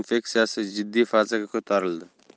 infeksiyasi jiddiy fazaga ko'tarildi